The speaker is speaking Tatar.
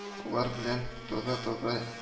Алар белән таза-таза